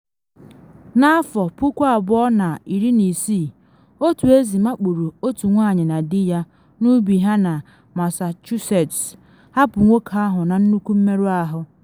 Na 2016, otu ezi makpuru otu nwanyị na dị ya n’ubi ha na Massachusetts, hapụ nwoke ahụ na nnukwu mmerụ ahụ.